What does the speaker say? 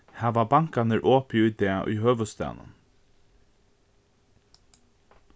hava bankarnir opið í dag í høvuðsstaðnum